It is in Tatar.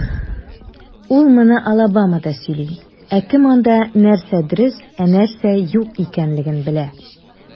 Ул моны Алабамада сөйли, ә кем анда, нәрсә дөрес, ә нәрсә юк икәнлеген белә?